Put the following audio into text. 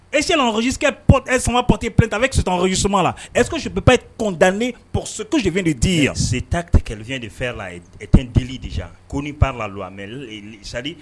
Esekɔsikep samapti pe tan bɛsi sumama la essipba kuntan ni psiv de' yan seta tɛ kɛlɛcyɛn de fɛ la etdeli dec ko ni' la don a sa